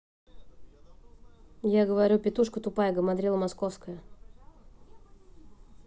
а я говорю петушка тупая гамадрила московская